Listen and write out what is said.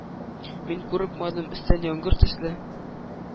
Мин курыкмадым өстән яңгыр төсле